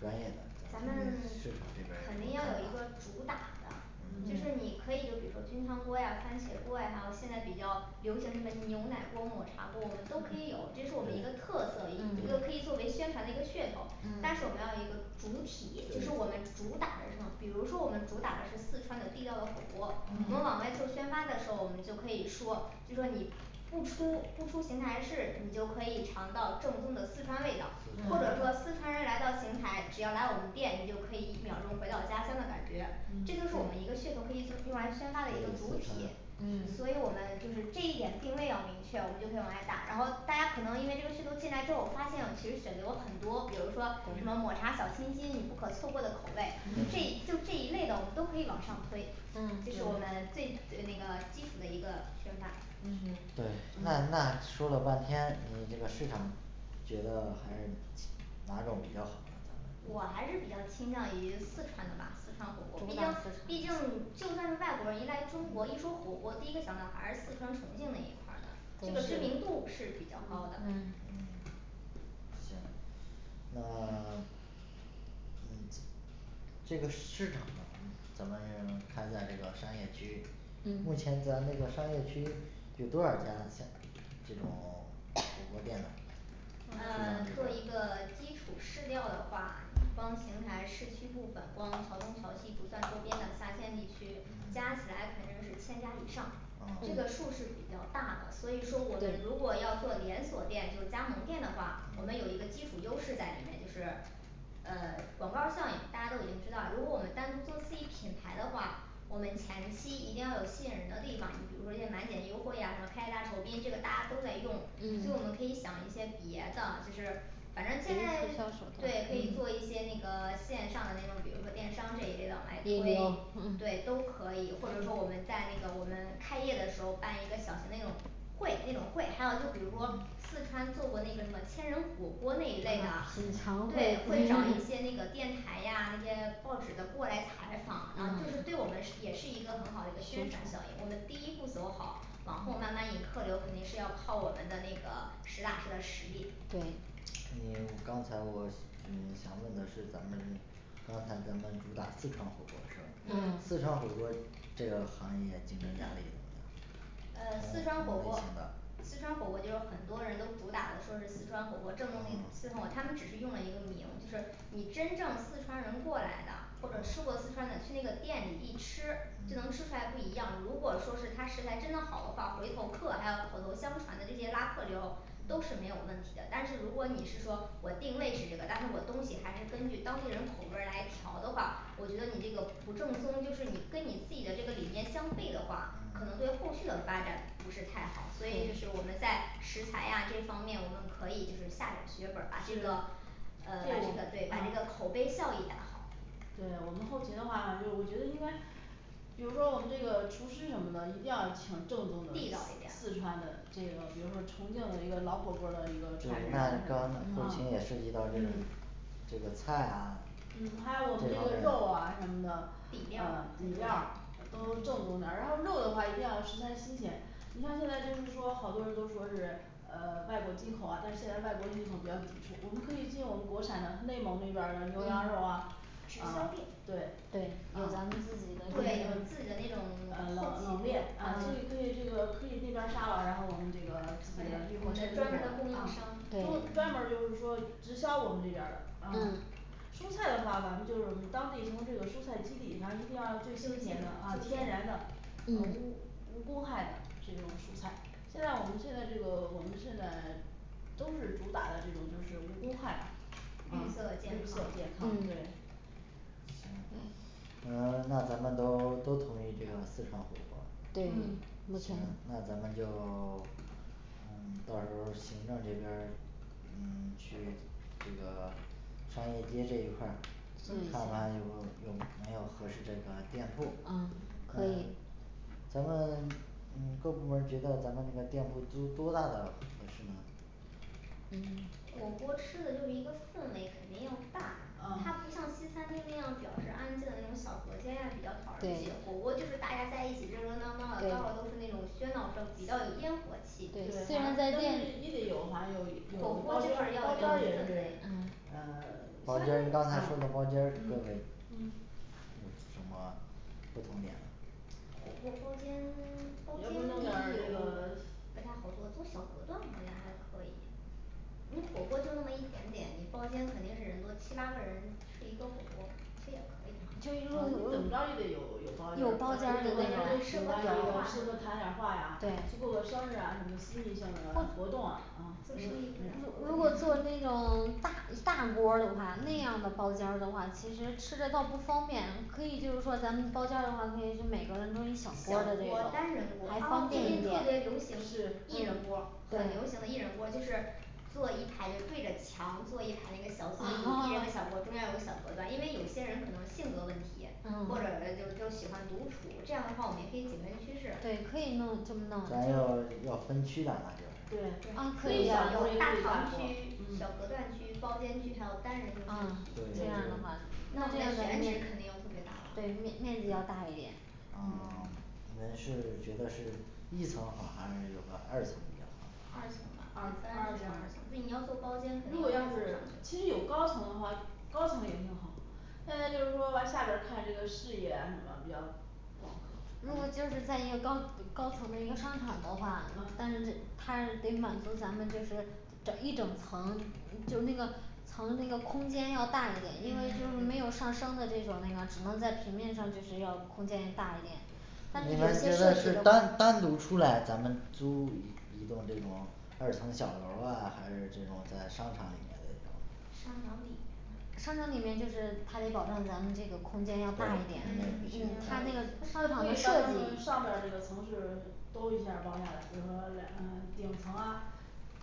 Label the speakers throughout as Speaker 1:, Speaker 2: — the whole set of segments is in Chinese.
Speaker 1: 专业的咱
Speaker 2: 咱
Speaker 1: 们
Speaker 2: 们
Speaker 1: 听听市场这边
Speaker 2: 肯定要
Speaker 1: 儿的
Speaker 2: 有
Speaker 1: 想
Speaker 2: 一个
Speaker 1: 法
Speaker 2: 主打的就是
Speaker 3: 嗯
Speaker 2: 你可以就比如说菌汤锅呀、番茄锅呀，还有现在比较流行什么牛奶锅抹茶锅，我们都可以有
Speaker 3: 嗯
Speaker 2: 这是我们一个
Speaker 1: 对
Speaker 2: 特色，一一个可以
Speaker 3: 嗯
Speaker 2: 作为宣传的一个噱头，但是我们
Speaker 3: 嗯
Speaker 2: 要有一个主体就是我们
Speaker 1: 对
Speaker 2: 主打的称比如说我们主打的是四川的地道的火锅儿，我们往外做
Speaker 3: 嗯
Speaker 2: 宣发的时候，我们就可以说就说你不出不出邢台市，你就可以尝到正宗的四川味道，
Speaker 1: 对
Speaker 2: 或者
Speaker 3: 对
Speaker 2: 说四川人来到邢台，只要来我们店，你就可以一秒钟回到家乡的感觉，这
Speaker 3: 嗯
Speaker 2: 就是我们一个噱头可以就用来宣发的一个
Speaker 1: 对
Speaker 2: 主
Speaker 1: 四
Speaker 2: 体
Speaker 1: 川
Speaker 4: 嗯
Speaker 3: 是
Speaker 2: 所以我们就是这一点定位要明确，我们就可以往外打，然后大家可能因为这个噱头进来之后，我发现其实选择有很多，比如说什
Speaker 3: 对
Speaker 2: 么抹茶小清新你不可错过的口味，就这就这一类的我们都可以往上推
Speaker 4: 嗯
Speaker 2: 这是我们
Speaker 4: 是
Speaker 2: 最呃那个基础的一个宣发
Speaker 3: 是
Speaker 1: 对
Speaker 3: 嗯
Speaker 1: 那那说了半天你这个市场觉得还是哪种比较好呢
Speaker 2: 我还是比较倾向于四川的吧四川火锅儿
Speaker 3: 主打，
Speaker 2: 毕竟毕
Speaker 3: 四
Speaker 2: 竟
Speaker 3: 川
Speaker 2: 就算是外国人一来中国一说火锅第一个想到还是四川重庆那一块儿的
Speaker 3: 呃
Speaker 2: 这个
Speaker 3: 是
Speaker 2: 知名度是比较高的
Speaker 3: 嗯嗯
Speaker 1: 嗯行那 嗯这个市场啊，咱们这个开在这个商业区
Speaker 3: 对
Speaker 1: 目前咱这个商业区有多少家呢现在这种& &火锅儿店呢
Speaker 2: 呃
Speaker 4: 嗯
Speaker 2: 做一个基础市调的话，光平台市区部分光桥东桥西不算周边的下县地区，
Speaker 1: 嗯
Speaker 2: 加起来肯定是千家以上
Speaker 1: 啊
Speaker 2: 这个数是比较大的，所以说我们
Speaker 3: 对
Speaker 2: 如果要做连锁店就是加盟店的话，
Speaker 1: 嗯
Speaker 2: 我们有一个基础优势在里面就是呃广告儿效应大家都已经知道，如果我们单独做自己品牌的话，我们前期一定要有吸引人的地方，你比如说一些满减优惠呀什么开业大酬宾这个大家都在用所
Speaker 3: 嗯
Speaker 2: 以我们可以想一些别的就是反正现
Speaker 4: 尤
Speaker 2: 在
Speaker 4: 其商
Speaker 2: 对可以
Speaker 4: 场
Speaker 3: 嗯
Speaker 2: 做一
Speaker 4: 嘛
Speaker 2: 些那个线上的那种，比如说电商这一类的往外
Speaker 3: 推广
Speaker 2: 推
Speaker 3: 嗯
Speaker 2: 对都可以，或者说我们在那个我们开业的时候办一个小型那种会那种会，还有就比如说四川做过那个什么千人火锅那一类的
Speaker 4: 啊品尝，
Speaker 2: 对
Speaker 4: 会
Speaker 2: 会找一 些那个电台呀那些报纸的过来采访然后就是对
Speaker 3: 嗯
Speaker 2: 我们是也是一个很好一个宣传效应，我们第一步走好往后慢慢引客流肯定是要靠我们的那个实打实的实力
Speaker 3: 对
Speaker 1: 嗯刚才我呃想问的是咱们刚才咱们主打四川火锅是吧四
Speaker 2: 嗯
Speaker 3: 对
Speaker 1: 川火锅这个行业竞争压力 怎么样
Speaker 2: 呃四
Speaker 1: 嗯还
Speaker 2: 川火锅
Speaker 1: 行吧
Speaker 2: 四川火锅就有很多人都主打的说是四川火锅，正宗的
Speaker 1: 啊
Speaker 2: 四川火锅，他们只是用了一个名，就是你真正四川人过来的，或者吃
Speaker 1: 嗯
Speaker 2: 过四川的去那个店里一吃就能吃
Speaker 1: 嗯
Speaker 2: 出来不一样，如果说是他是实在真的好的话，回头客还有口头相传的这些拉客流都是没有问题的，但是如果你是说我定位是这个，但是我东西还是根据当地人口味儿来调的话，我觉得你这个不正宗，就是你跟你自己的这个理念相悖的话，可
Speaker 1: 嗯
Speaker 2: 能对后续的发展不是太好所以就是我们
Speaker 4: 对
Speaker 2: 在食材呀这方面，我们可以就是下点儿血本儿吧这个
Speaker 4: 是
Speaker 2: 呃把这个
Speaker 3: 对
Speaker 2: 对把这个
Speaker 3: 呃
Speaker 2: 口碑效益打好
Speaker 3: 对我们后勤的话，就我觉得应该比如说我们这个厨师什么的，一定要请
Speaker 2: 地
Speaker 3: 正宗的
Speaker 2: 道儿一点儿
Speaker 3: 四四川的，这个比如说重庆的一个老火锅儿的一个传人什么的啊
Speaker 1: 后勤也涉及到这个
Speaker 3: 嗯
Speaker 1: 这个菜啊
Speaker 3: 嗯还有
Speaker 1: 这
Speaker 3: 这个
Speaker 1: 方
Speaker 3: 我们
Speaker 1: 面
Speaker 3: 肉啊什么的
Speaker 2: 底料
Speaker 3: 呃底料儿呃都正宗点儿，然后肉的话一定要食材新鲜，你像现在就是说好多人都说是呃外国进口啊，但是现在外国进口比较抵触，我们可以进我们国产的内蒙那边儿的牛羊肉
Speaker 2: 嗯
Speaker 3: 啊
Speaker 2: 食方便
Speaker 3: 啊对
Speaker 4: 对
Speaker 3: 啊啊
Speaker 4: 有咱自己
Speaker 2: 对有
Speaker 4: 的
Speaker 2: 自己的那种
Speaker 3: 啊老老练啊
Speaker 2: 啊
Speaker 3: 可以可以这个可以那边儿杀了然后我们这个自己的运货车
Speaker 2: 专门儿的供应
Speaker 3: 啊
Speaker 2: 商嗯
Speaker 3: 就专门儿就是说直销我们那边儿的啊
Speaker 2: 嗯
Speaker 3: 蔬菜的话，我们就是当地从这个蔬菜基地咱一定要最
Speaker 2: 就近就
Speaker 3: 新
Speaker 2: 近
Speaker 3: 鲜的啊天然的啊无
Speaker 2: 嗯
Speaker 3: 无公害的这种蔬菜现在我们现在这个我们现在都是主打的这种就是无公害吧
Speaker 2: 绿
Speaker 3: 啊绿
Speaker 2: 色
Speaker 3: 色
Speaker 2: 健
Speaker 3: 健
Speaker 2: 康
Speaker 3: 康，
Speaker 2: 嗯
Speaker 3: 对
Speaker 1: 行嗯呃那咱们都都同意这个四川火锅儿
Speaker 3: 嗯
Speaker 2: 对
Speaker 4: 我同
Speaker 1: 行
Speaker 4: 意
Speaker 1: 那咱们就 呃到时候儿行政这边儿嗯 去这个商业街这一块儿
Speaker 4: 嗯
Speaker 1: 看看就有没有合适这个店铺
Speaker 4: 啊嗯可
Speaker 1: 呃
Speaker 4: 以
Speaker 1: 咱们嗯各部门儿觉得咱们这个店铺租多大的合适呢
Speaker 2: 嗯火锅儿吃的就是一个氛围肯定要大呀，它
Speaker 3: 呃
Speaker 2: 不像西餐厅那样表示安静的那种小隔间呀比较讨人气
Speaker 3: 对
Speaker 2: 火锅就是大家在一起热热闹闹的到的都
Speaker 3: 对
Speaker 2: 是那种喧闹声比较有烟火气
Speaker 3: 对
Speaker 2: 虽
Speaker 3: 反正
Speaker 2: 然在
Speaker 3: 但是
Speaker 2: 店
Speaker 3: 也得
Speaker 2: 里
Speaker 3: 有
Speaker 2: 火
Speaker 3: 有
Speaker 2: 锅
Speaker 3: 包
Speaker 2: 就
Speaker 3: 间
Speaker 2: 是
Speaker 3: 儿
Speaker 2: 要
Speaker 3: 包
Speaker 2: 的这
Speaker 3: 间
Speaker 2: 种
Speaker 3: 儿也
Speaker 2: 氛围
Speaker 3: 是
Speaker 2: 嗯
Speaker 3: 呃
Speaker 1: 房
Speaker 3: 反
Speaker 1: 间
Speaker 3: 正
Speaker 1: 刚才说的包间
Speaker 3: 呃
Speaker 1: 儿氛
Speaker 3: 嗯
Speaker 1: 围
Speaker 3: 嗯
Speaker 1: 就什么这方面
Speaker 2: 火锅包间 包
Speaker 3: 要
Speaker 2: 间
Speaker 3: 不弄
Speaker 2: 就
Speaker 3: 点儿这
Speaker 2: 是
Speaker 3: 个
Speaker 2: 不太好做做小隔断好像还可以你火锅就那么一点点，你包间肯定是人多七八个人吃一个火锅儿这也可
Speaker 3: 啊你
Speaker 4: 就
Speaker 2: 以
Speaker 4: 是如
Speaker 2: 啊
Speaker 4: 果
Speaker 3: 怎么着也得有
Speaker 2: 有
Speaker 3: 有
Speaker 2: 包
Speaker 3: 包
Speaker 2: 间
Speaker 3: 间儿
Speaker 2: 儿
Speaker 3: 呃有的人就喜
Speaker 2: 适合
Speaker 3: 欢这个适合谈点儿
Speaker 2: 谈
Speaker 3: 话
Speaker 2: 话
Speaker 3: 呀
Speaker 2: 对
Speaker 3: 去
Speaker 2: 如
Speaker 3: 过个生日啊什么私密性的活动啊嗯
Speaker 4: 做
Speaker 3: 嗯
Speaker 2: 如果做
Speaker 4: 生
Speaker 2: 那
Speaker 4: 意都一
Speaker 2: 种大大锅儿的话那样的包间儿的话其实吃着到不方便可以就是说咱们包间儿的话可以每个人都特别流行
Speaker 4: 小
Speaker 2: 一
Speaker 4: 锅儿单人锅儿
Speaker 3: 对是嗯
Speaker 4: 方便
Speaker 2: 个锅儿很流行的一人
Speaker 3: 对
Speaker 2: 锅儿就是做一排就对着墙做一排
Speaker 4: 啊
Speaker 2: 那个小座椅，一人一个小桌儿中间有个小隔断
Speaker 4: 啊，
Speaker 2: 因为有些人可能性格问题或者呃就就喜欢独处这样的话我们也可以紧跟趋势
Speaker 4: 对可以弄这么弄
Speaker 1: 咱要要分区的那就
Speaker 3: 对可
Speaker 2: 最
Speaker 3: 以小
Speaker 2: 少
Speaker 3: 锅儿也可
Speaker 2: 有
Speaker 3: 以
Speaker 2: 大
Speaker 3: 大锅
Speaker 2: 堂
Speaker 3: 儿
Speaker 2: 区
Speaker 3: 嗯
Speaker 2: 小隔断区包间区还有单人用
Speaker 4: 啊
Speaker 2: 餐
Speaker 1: 对
Speaker 2: 区
Speaker 4: 这样儿的话
Speaker 1: 这
Speaker 2: 那我们的选址肯定要特别大
Speaker 4: 对
Speaker 2: 了
Speaker 4: 面面积要大一点
Speaker 1: 啊
Speaker 3: 嗯
Speaker 1: 你们是觉得是一层好还是有个二层比较好
Speaker 2: 二层吧当然
Speaker 3: 二
Speaker 2: 得二
Speaker 3: 二
Speaker 2: 层
Speaker 3: 层
Speaker 2: 那你要做包间肯
Speaker 3: 如
Speaker 2: 定要
Speaker 3: 果要
Speaker 2: 二
Speaker 3: 是
Speaker 2: 层
Speaker 3: 其实有高层的话高层也挺好现在就是说往下边儿看这个视野什么比较广阔
Speaker 4: 如果就在一个高嗯高层的一个商场的话，但
Speaker 3: 嗯
Speaker 4: 是它是得满足咱们就是整一整层嗯就那个层那个空间要大一点儿，因为就
Speaker 3: 嗯嗯
Speaker 4: 没有上升的这种那个只能在平面上就是要空间大一点儿它里
Speaker 1: 你
Speaker 4: 面
Speaker 1: 们
Speaker 4: 就
Speaker 1: 觉得是
Speaker 4: 是那种
Speaker 1: 单单独出来咱们租一一栋这种二层小楼儿啊还是这种在商场里面这种的
Speaker 2: 商场里面吧嗯
Speaker 4: 商场里面，就是它得保证咱们这个空间要大一
Speaker 1: 对
Speaker 4: 点，因为
Speaker 2: 嗯
Speaker 4: 他那个
Speaker 3: 还可
Speaker 4: 商
Speaker 3: 以把它
Speaker 4: 场的
Speaker 3: 们
Speaker 4: 设计
Speaker 3: 上边儿这个层是都一下儿包下来，比如说两嗯顶层啊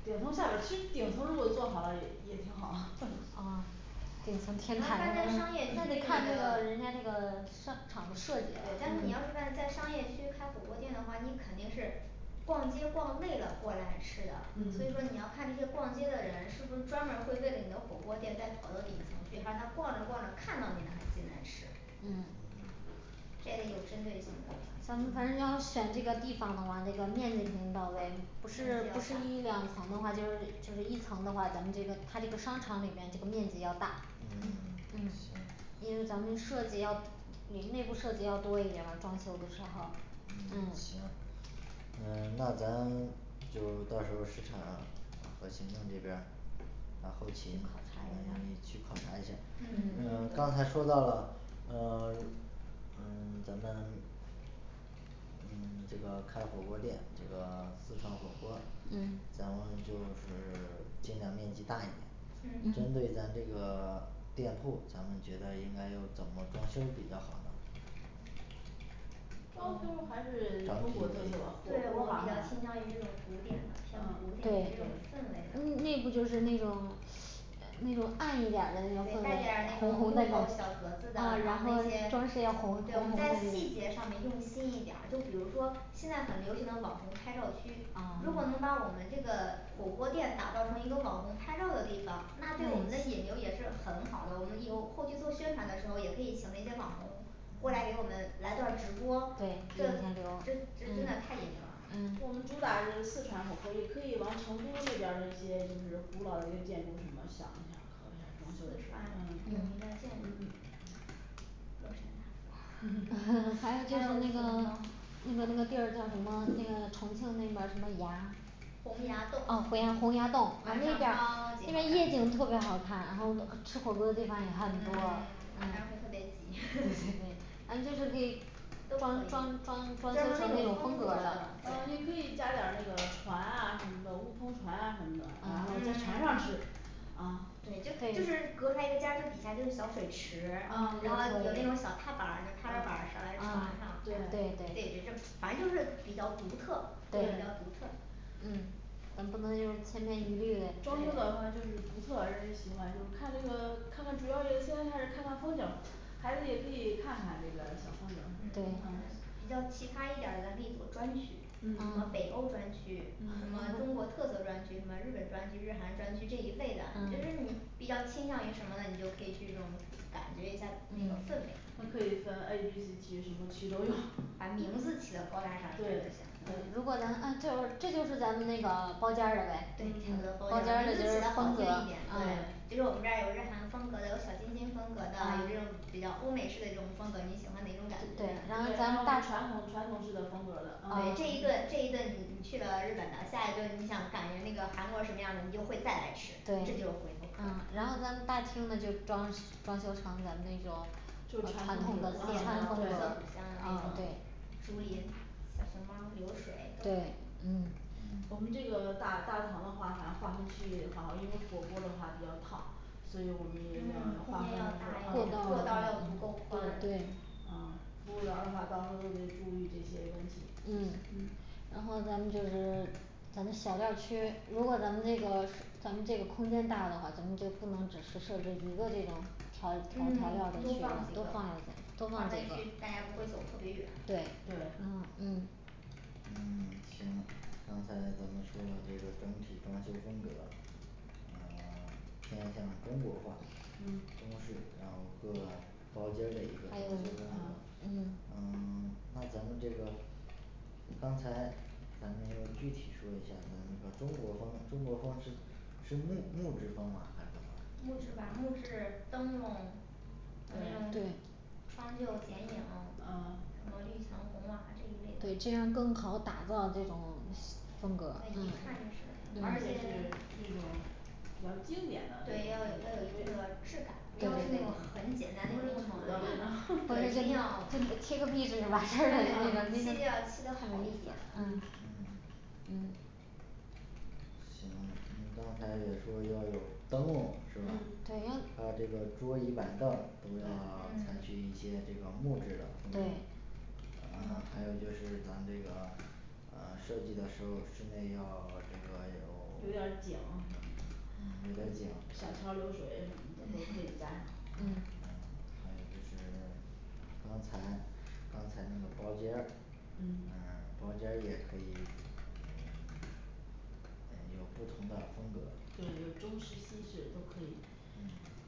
Speaker 3: 顶层下边儿其实顶层如果做好了也也挺好
Speaker 4: 哦顶层天台
Speaker 2: 大概
Speaker 3: 嗯
Speaker 2: 商业街这个
Speaker 4: 看这个人家这个商场的设计
Speaker 2: 对但是你
Speaker 3: 嗯
Speaker 2: 要是在在商业区开火锅店的话你肯定是逛街逛累了过来吃的，所
Speaker 3: 嗯
Speaker 2: 以说你要看这个逛街的人是不是专门儿会为了你的火锅店再跑到顶层去还是他逛着逛着看到你还进来吃
Speaker 4: 嗯
Speaker 2: 这里有针对性
Speaker 4: 咱们
Speaker 2: 的反正
Speaker 4: 反正是要选这个地方的话这个面积肯定到位
Speaker 2: 面，
Speaker 4: 不是不是一
Speaker 2: 积要
Speaker 4: 两
Speaker 2: 大
Speaker 4: 层的话就就是一层的话咱们这个他这个商场里面这个面积要大
Speaker 3: 嗯嗯嗯
Speaker 1: 行
Speaker 4: 因为咱们设计要里内部设计要多一点儿嘛，装修的时候儿
Speaker 1: 嗯
Speaker 4: 嗯
Speaker 1: 行呃那咱就到时候儿市场呃和行政这边儿还有后
Speaker 3: 考
Speaker 1: 勤
Speaker 3: 察
Speaker 1: 可
Speaker 3: 一
Speaker 1: 以
Speaker 3: 下
Speaker 1: 去考察一下
Speaker 4: 嗯
Speaker 1: 呃
Speaker 3: 嗯
Speaker 1: 刚才说到了呃 嗯咱们嗯这个开火锅儿店，这个四川火锅
Speaker 2: 嗯
Speaker 1: 咱们就是尽量面积大一点儿。针对
Speaker 4: 嗯
Speaker 1: 咱这个店铺，咱们觉得应该要怎么装修比较好呢
Speaker 3: 装修还是中国特色
Speaker 2: 对
Speaker 3: 的火
Speaker 2: 我
Speaker 3: 锅
Speaker 2: 比较
Speaker 3: 儿嘛
Speaker 2: 倾向于这种古典的偏
Speaker 4: 啊
Speaker 2: 古
Speaker 4: 对
Speaker 2: 典的这
Speaker 4: 对
Speaker 2: 种氛围的
Speaker 4: 嗯内部就是那种那种暗一点儿的那
Speaker 2: 对带
Speaker 4: 个氛围
Speaker 2: 点
Speaker 4: 啊
Speaker 2: 儿那种红色小格子的然
Speaker 4: 然
Speaker 2: 后
Speaker 4: 后
Speaker 2: 那些
Speaker 4: 装饰要红
Speaker 2: 对我们在细节上面用心一点儿就比如说现在很流行的网红拍照区
Speaker 3: 啊，
Speaker 2: 如果能
Speaker 3: 对
Speaker 2: 把我们这个火锅店打造成一个网红拍照的地方，那对我们的
Speaker 3: 嗯
Speaker 2: 引流也是很好的，我们有后期做宣传的时候也可以请那些网红过来给我们来段儿直播，这
Speaker 4: 对
Speaker 2: 这
Speaker 4: 你像
Speaker 2: 这
Speaker 4: 那
Speaker 2: 真
Speaker 4: 种
Speaker 2: 真的太引流了
Speaker 4: 嗯
Speaker 2: 啊
Speaker 3: 我们主打是四川火锅，也可以往成都那边儿那些就是古老的一个建筑什么想一想考一下儿装修的时候嗯嗯
Speaker 2: 有名的建筑
Speaker 3: 嗯
Speaker 2: 乐山大佛
Speaker 4: 还有
Speaker 2: 还
Speaker 4: 就是
Speaker 2: 有
Speaker 4: 那
Speaker 2: 什
Speaker 4: 个
Speaker 2: 么
Speaker 4: 那个那个地儿叫什么那个重庆那边儿什么崖
Speaker 2: 洪崖洞啊洪崖洪崖洞晚上
Speaker 4: 那
Speaker 2: 超级
Speaker 4: 边
Speaker 2: 好
Speaker 4: 因为夜
Speaker 2: 看
Speaker 4: 景特别好看然后吃火锅的地方也很多
Speaker 2: 嗯 然后特别挤
Speaker 4: 对对 对咱们就是可以
Speaker 2: 都
Speaker 4: 装
Speaker 2: 可
Speaker 4: 装
Speaker 2: 以
Speaker 4: 装装
Speaker 2: 装
Speaker 4: 装修
Speaker 2: 成
Speaker 4: 成
Speaker 2: 那
Speaker 4: 那
Speaker 2: 种
Speaker 4: 种风
Speaker 2: 风格
Speaker 4: 格儿的
Speaker 2: 的
Speaker 3: 也
Speaker 2: 对
Speaker 3: 可以加点儿那个船啊什么的乌篷船啊什么的，然后在船上
Speaker 2: 嗯对
Speaker 3: 吃啊
Speaker 4: 对就可以
Speaker 2: 就是隔开一个甲柱儿底下就是小水池，然后
Speaker 3: 啊
Speaker 2: 有那种小踏板的踏板上在船上对
Speaker 4: 对
Speaker 3: 啊对
Speaker 4: 对
Speaker 2: 反正就是比较独特，就比较独特
Speaker 4: 对
Speaker 3: 对
Speaker 4: 嗯咱不能就千篇一律的
Speaker 3: 装修的
Speaker 2: 对
Speaker 3: 话就是，独特让人喜欢就看这个看看主要的现在开始看看风景孩子也可以看看这个小风景儿什么
Speaker 2: 嗯
Speaker 3: 的都
Speaker 2: 对
Speaker 1: 嗯
Speaker 2: 嗯对
Speaker 3: 嗯
Speaker 2: 比较奇葩一点儿的，咱可以做专区什
Speaker 3: 嗯
Speaker 2: 么
Speaker 4: 啊
Speaker 2: 北欧专区，
Speaker 3: 嗯
Speaker 2: 什么中国特色专区，什么日本专区日韩专区这一类的，就
Speaker 4: 嗯
Speaker 2: 是你比较倾向于什么的，你就可以去这种感觉一下那
Speaker 3: 嗯
Speaker 2: 个氛
Speaker 3: 还
Speaker 2: 围
Speaker 3: 可以分A B C区什么区都有 对嗯
Speaker 2: 把
Speaker 3: 嗯
Speaker 2: 名字起的
Speaker 3: 对
Speaker 2: 高大上一点儿就行
Speaker 3: 嗯
Speaker 4: 如果能按这这就是咱们那个包间儿了
Speaker 2: 对名字起得
Speaker 4: 呗
Speaker 3: 嗯
Speaker 2: 好听
Speaker 3: 对
Speaker 2: 一点比如我们这儿有日韩风格的有小清新风格的有这种比较欧美式的这种风格，你喜欢哪种
Speaker 3: 对还有我们传统传统式的风格儿的
Speaker 2: 感觉对
Speaker 3: 啊嗯
Speaker 2: 这一顿这一顿你你去了日本的下一顿你想感觉那个韩国什么样的你就会再来吃，
Speaker 4: 对
Speaker 2: 这就是回
Speaker 3: 嗯
Speaker 2: 头客
Speaker 4: 啊然后
Speaker 3: 嗯
Speaker 4: 咱们大厅的就装装修成咱们那种
Speaker 3: 就传
Speaker 2: 传
Speaker 3: 统
Speaker 2: 统
Speaker 3: 式
Speaker 2: 的
Speaker 3: 的
Speaker 2: 古典的古色古
Speaker 3: 对
Speaker 2: 香的那种对
Speaker 3: 啊
Speaker 4: 对
Speaker 2: 竹林，小熊猫儿流水都可
Speaker 3: 对
Speaker 2: 以
Speaker 3: 嗯
Speaker 1: 嗯
Speaker 3: 我们这个大大堂的话反正划分区域的话，因为火锅儿的话比较烫所以我们也要
Speaker 2: 嗯空间要大一点儿
Speaker 3: 划分
Speaker 2: 过
Speaker 3: 颜色
Speaker 2: 道要
Speaker 3: 啊对
Speaker 2: 足够宽
Speaker 3: 对
Speaker 4: 对
Speaker 3: 啊服务员儿的话到时候都得注意这些问题
Speaker 2: 嗯
Speaker 4: 嗯然后咱们就是咱们小料儿区如果咱们这个咱们这个空间大的话，咱们就不能只是设置一个这种调
Speaker 2: 嗯多放几个划
Speaker 4: 调调料这个区多放一点儿多放几
Speaker 2: 分
Speaker 4: 个
Speaker 2: 区大家不会走特别远
Speaker 4: 对
Speaker 3: 对
Speaker 2: 嗯
Speaker 1: 嗯行刚才咱们说的这个整体装修风格嗯 偏向中国化，
Speaker 3: 嗯
Speaker 1: 中国式然后各包间儿的一个大
Speaker 2: 还有这
Speaker 1: 小
Speaker 2: 个
Speaker 3: 啊
Speaker 2: 嗯
Speaker 1: 嗯 那咱们这个嗯刚才咱们要具体说一下咱们那个中国风中国风是是木木质风吗？还是
Speaker 2: 木
Speaker 1: 什么
Speaker 2: 质吧木质灯笼还
Speaker 3: 对
Speaker 2: 有
Speaker 4: 对
Speaker 2: 川秀剪影
Speaker 3: 啊
Speaker 2: 什么绿墙红瓦这一类
Speaker 4: 对这
Speaker 2: 的
Speaker 4: 样更好打造这种
Speaker 3: 风
Speaker 2: 那
Speaker 3: 格儿啊
Speaker 2: 一看就是
Speaker 3: 对而且是那种比较经典的那
Speaker 2: 对要
Speaker 3: 种
Speaker 2: 有要有一定的
Speaker 3: 不
Speaker 2: 质感不
Speaker 4: 对
Speaker 2: 要是那种
Speaker 4: 对
Speaker 2: 很简单的那种
Speaker 3: 不是土的
Speaker 2: 对一
Speaker 3: 那
Speaker 2: 定
Speaker 3: 种
Speaker 2: 要 贴个壁纸就完事儿了 必须要贴的好一点儿
Speaker 3: 嗯
Speaker 1: 嗯行嗯刚才也说要有灯笼是吧？
Speaker 3: 嗯
Speaker 2: 对
Speaker 1: 还有这个桌椅板凳都要
Speaker 4: 对
Speaker 1: 采
Speaker 2: 嗯
Speaker 1: 取一些这种木质的
Speaker 4: 嗯
Speaker 3: 对
Speaker 1: 呃&呃&还有就是咱们这个呃设计的时候儿室内要这个
Speaker 3: 有点儿景
Speaker 1: 有
Speaker 3: 什么的
Speaker 1: 嗯对景
Speaker 3: 小桥儿流水什么的都可以
Speaker 2: 对
Speaker 3: 加上
Speaker 4: 嗯
Speaker 3: 嗯
Speaker 1: 嗯还有就是刚才刚才那个包间儿嗯
Speaker 3: 嗯
Speaker 1: 包间儿也可以嗯 呃有不同的风格
Speaker 3: 对，有中式西式都可以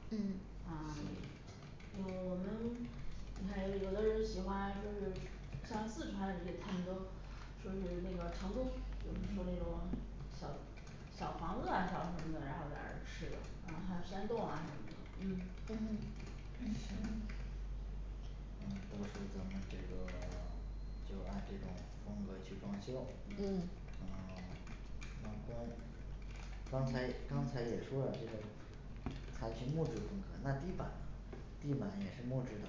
Speaker 1: 嗯
Speaker 2: 嗯
Speaker 3: 啊
Speaker 1: 去
Speaker 3: 有我们你看有有的人喜欢说是像四川人就他们都说是那个成都就是说那种小小房子啊小什么的，然后在那儿吃的，呃还有山洞啊什么的嗯
Speaker 2: 嗯嗯哼
Speaker 3: 行
Speaker 1: 嗯到时候儿咱们这个 就按这种风格去装修
Speaker 3: 嗯
Speaker 1: 呃 什么刚刚才也&嗯嗯&刚才也说了这种采取木质风格那地板呢地板也是木质的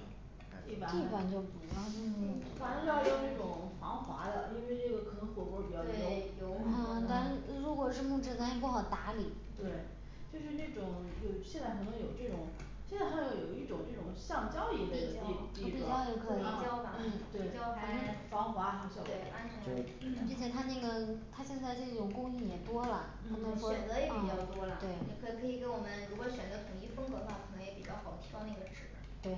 Speaker 4: 地
Speaker 3: 地板
Speaker 1: 还是
Speaker 3: 反
Speaker 4: 板就主要是那种
Speaker 3: 反正就要用那种防滑的，因为这个可能火锅儿比较油
Speaker 2: 对
Speaker 3: 嗯对
Speaker 2: 油
Speaker 4: 嗯咱如果是木质咱也不好打理
Speaker 3: 对就是那种有现在可能有这种现在还有有一种这种橡胶一类的地
Speaker 2: 地
Speaker 3: 地砖
Speaker 2: 胶就
Speaker 4: 地
Speaker 2: 可以地
Speaker 4: 胶
Speaker 2: 胶
Speaker 3: 啊
Speaker 4: 吧
Speaker 2: 吧，地
Speaker 4: 地
Speaker 3: 对
Speaker 2: 胶
Speaker 4: 胶还
Speaker 2: 还
Speaker 3: 防滑效果
Speaker 4: 对
Speaker 3: 比较
Speaker 4: 安
Speaker 3: 好
Speaker 4: 全
Speaker 1: 角
Speaker 3: 嗯
Speaker 4: 并且他
Speaker 1: 色
Speaker 4: 那个他现在这种工艺也多了啊对
Speaker 3: 嗯
Speaker 2: 选择也比较多了也可可以给我们如果选择统一风格的话可能也比较好挑那个纸
Speaker 3: 对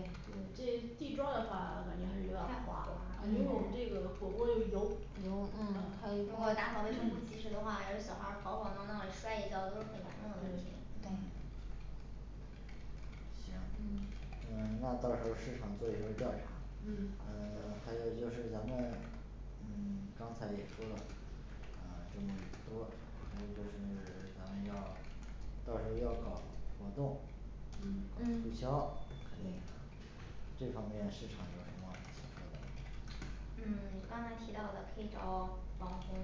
Speaker 3: 就是这地砖的话感觉还是
Speaker 2: 太
Speaker 3: 点儿滑
Speaker 2: 滑
Speaker 3: 啊因为我们这
Speaker 2: 对
Speaker 3: 个火锅有
Speaker 2: 油
Speaker 3: 油
Speaker 2: 嗯如果打扫卫生不及时的话，有小孩儿跑跑闹闹也摔一跤都是很严重的问题
Speaker 3: 对
Speaker 1: 嗯行&嗯&嗯那到时候儿市场做一个调查，嗯
Speaker 3: 嗯
Speaker 1: 还有就是咱们嗯 刚才也说了嗯这么多也就是 咱们要到时候儿要搞活动。
Speaker 3: 嗯
Speaker 1: 搞
Speaker 2: 嗯
Speaker 1: 促销
Speaker 3: 对
Speaker 1: 这方面市场有什么补充没
Speaker 2: 嗯刚才提到的可以找网红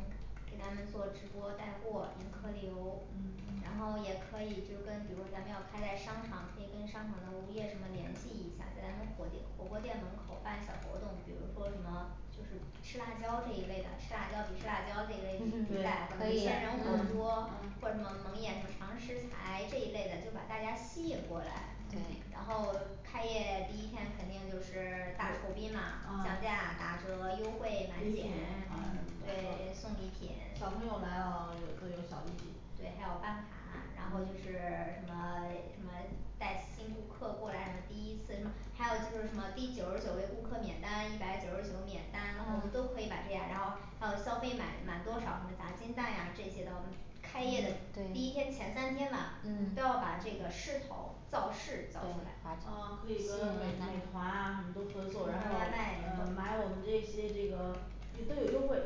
Speaker 2: 给咱们做直播带货引客流，
Speaker 3: 嗯
Speaker 2: 然后也可以就跟比如咱们要开在商场，可以跟商场的物业什么联系一下，在咱们火店火锅店门口办小活动比如说什么就是吃辣椒这一类的，吃辣椒比吃辣椒这一类
Speaker 3: 对比
Speaker 2: 比
Speaker 3: 赛啊
Speaker 2: 赛或者一些人
Speaker 3: 啊
Speaker 2: 很
Speaker 3: 有啊
Speaker 2: 多或者蒙蒙眼尝食材这一类的就把大家吸引过来
Speaker 4: 对
Speaker 2: 然后开业第一天肯定就是大酬宾啦，降
Speaker 3: 嗯
Speaker 2: 价打折优惠满
Speaker 3: 礼
Speaker 2: 减
Speaker 3: 品好像
Speaker 2: 对
Speaker 3: 什么的
Speaker 2: 送礼品
Speaker 3: 小朋友来了有都有小礼品
Speaker 2: 对还有办卡，然后就
Speaker 3: 嗯
Speaker 2: 是 什么 什么带新顾客过来，什么第一次什么，还有就是什么第九十九儿位顾客免单一百九十九儿免单，我们
Speaker 3: 啊
Speaker 2: 都可以把这些然后还有消费满满多少什么砸金蛋呀这些的我们开业的
Speaker 4: 对
Speaker 2: 第一天前三天吧
Speaker 4: 嗯
Speaker 3: 嗯
Speaker 2: 都要把这个势头造势
Speaker 4: 对
Speaker 2: 造出来
Speaker 4: 还
Speaker 3: 啊可以跟美美团啊什么都合作，然后
Speaker 2: 外卖
Speaker 3: 呃买我们这些这个你都有优惠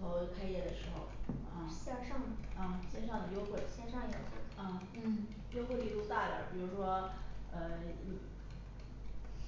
Speaker 3: 头开业的时候啊
Speaker 2: 线儿上的
Speaker 3: 啊线上的优惠
Speaker 2: 线上也要做开
Speaker 3: 啊
Speaker 4: 嗯
Speaker 3: 优惠力度大点儿比如说呃嗯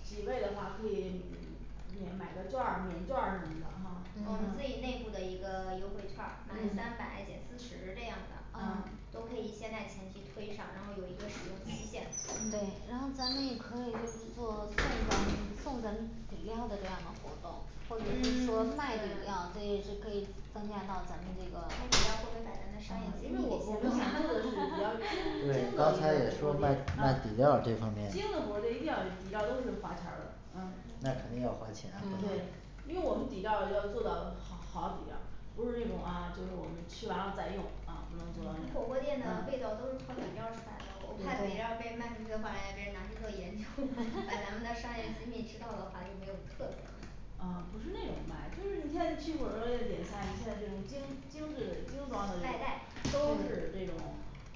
Speaker 3: 几位的话可以嗯免买个劵儿免券儿什么的哈
Speaker 2: 我们自
Speaker 3: 啊
Speaker 2: 己内部的一个优惠券儿满三
Speaker 3: 嗯
Speaker 2: 百减四十这样的
Speaker 3: 啊
Speaker 4: 啊
Speaker 2: 都可以先在前期推上，然后有一个使用期限
Speaker 4: 对
Speaker 3: 嗯，
Speaker 4: 然后咱们也可以就是做送券儿送咱们底料的这样的活动或者是
Speaker 2: 嗯
Speaker 4: 说卖饮
Speaker 2: 对
Speaker 4: 料，这也是可以增加到咱们这个啊
Speaker 2: 卖底料
Speaker 3: 啊
Speaker 2: 儿
Speaker 3: 因
Speaker 2: 或
Speaker 3: 为
Speaker 2: 者
Speaker 3: 我
Speaker 2: 把
Speaker 3: 我
Speaker 2: 咱
Speaker 3: 们
Speaker 2: 的
Speaker 3: 想做
Speaker 2: 商
Speaker 3: 的
Speaker 2: 业
Speaker 3: 是
Speaker 2: 物
Speaker 3: 比
Speaker 2: 品
Speaker 3: 较
Speaker 1: 对
Speaker 3: 精
Speaker 1: 一
Speaker 3: 精
Speaker 1: 开
Speaker 3: 的
Speaker 1: 始说
Speaker 3: 火
Speaker 1: 卖
Speaker 3: 锅店
Speaker 1: 卖
Speaker 3: 啊
Speaker 1: 底料儿这方面
Speaker 3: 精的火锅儿店一定要底料都是花钱儿的啊
Speaker 1: 那肯定要
Speaker 2: 嗯
Speaker 1: 花钱啊
Speaker 3: 对因为我们底料儿要做到好好底料儿不是这种啊，就是我们吃完了再用啊不能做
Speaker 2: 你火锅
Speaker 3: 那
Speaker 2: 店
Speaker 3: 样
Speaker 2: 的
Speaker 3: 啊
Speaker 2: 味道都是靠底料儿出来的，我我怕
Speaker 3: 对
Speaker 2: 底料儿被卖出去的话，让别人拿去做研究， 把咱们的 商业机密知道的话就没有特色了
Speaker 3: 啊不是那种卖就是你现在去火锅儿店点菜，你现在这种精精致的精
Speaker 2: 外
Speaker 3: 装的这种
Speaker 2: 带
Speaker 3: 都是这种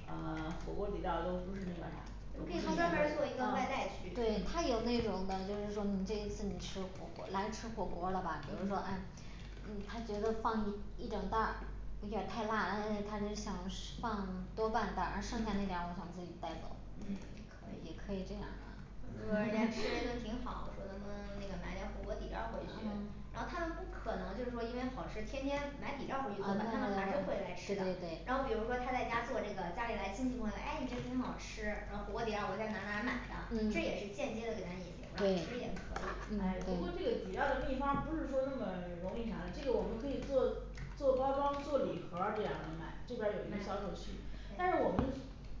Speaker 3: 啊火锅儿底料都不是那个啥也
Speaker 2: 我们
Speaker 3: 不
Speaker 2: 可以
Speaker 3: 是原
Speaker 2: 专
Speaker 3: 味
Speaker 2: 门儿做一
Speaker 3: 儿
Speaker 2: 个
Speaker 3: 的啊
Speaker 2: 外带区
Speaker 4: 对
Speaker 3: 嗯
Speaker 4: 他有那种的就是说你对主吃火锅儿来吃火锅儿了吧比如说按
Speaker 3: 嗯
Speaker 4: 嗯他觉得放一一整袋儿有点儿太辣，而且他就想食放多半袋儿，剩下那
Speaker 3: 嗯
Speaker 4: 点儿我想自己带走，也
Speaker 3: 嗯
Speaker 4: 可以也可以这样的
Speaker 2: 比如说人家吃一顿挺好，我说能不能那个买点儿火锅底料回去
Speaker 3: 啊
Speaker 2: 然后他们不可能就是说因为好吃天天买底料儿回去做饭，他们还是会
Speaker 4: 对对
Speaker 2: 来吃的，
Speaker 4: 对
Speaker 2: 然后比如说他在家做这个家里来亲戚朋友诶你这挺好吃，然后火锅儿底料我在哪儿哪儿买的这也是
Speaker 3: 嗯
Speaker 2: 间接的给咱引流啦其
Speaker 4: 对
Speaker 2: 实也可以
Speaker 3: 哎不过这个底料儿的配方儿不是说那么容易啥的这个我们可以做做包装做礼盒儿这样的卖，这边儿有一个销
Speaker 2: 卖
Speaker 3: 售区，
Speaker 2: 对
Speaker 3: 但是我们